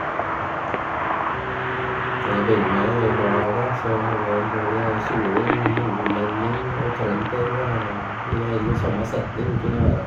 Til å begynne med i barnehagen så var han både solung, nordlending og trønder i én og samme setning, kunne være.